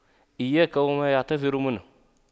إياك وما يعتذر منه